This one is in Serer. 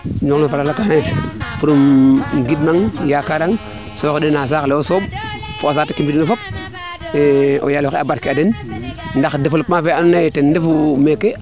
o ñuxlo o mbalakaanole pour im gid mang yakarang so xenda na saax le fop fo saate ke wiin we fop o yaaloxe barke a den ndax developpement fee ando naye tenr efu meeke